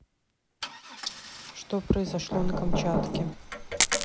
что произошло на камчатке